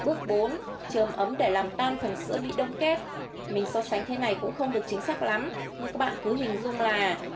bước chườm ấm để làm tan phần sữa bị đông kết mình so sánh thế này cũng không được chính xác lắm nhưng các bạn cứ hình dung là